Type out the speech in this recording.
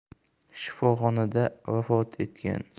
shifoxonada vafot etgan